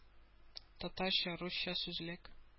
Татарча-русча сүзлек